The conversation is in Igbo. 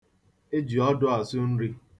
E ji ọdụ asụ nri.